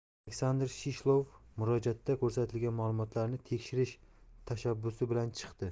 aleksandr shishlov murojaatda ko'rsatilgan ma'lumotlarni tekshirish tashabbusi bilan chiqdi